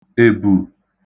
èbù